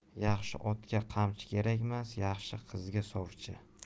yaxshi otga qamchi kerakmas yaxshi qizga sovchi